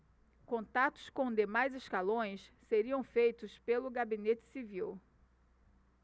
contatos com demais escalões seriam feitos pelo gabinete civil